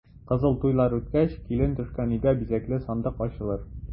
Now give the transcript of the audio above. Кызыл туйлар үткәч, килен төшкән өйдә бизәкле сандык ачылыр.